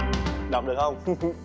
đọc được không